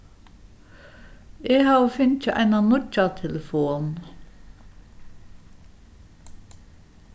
eg havi fingið eina nýggja telefon